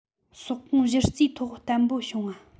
ཟོག གོང གཞི རྩའི ཐོག བརྟན པོ བྱུང བ